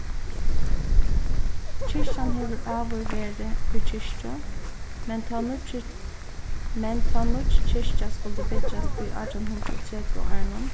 kirkjan hevur áður verið í kirkju men tá nýggi men tá nýggj kirkja skuldi byggjast í átjanhundraðogtretivuárunum